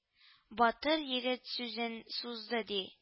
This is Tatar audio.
Батыр егет сүзен сузды, ди: